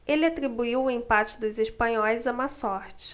ele atribuiu o empate dos espanhóis à má sorte